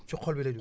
ci xol bi lay dugg